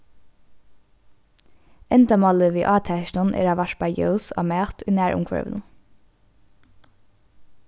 endamálið við átakinum er at varpa ljós á mat í nærumhvørvinum